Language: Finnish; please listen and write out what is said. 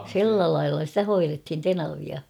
sillä lailla sitä hoidettiin tenavia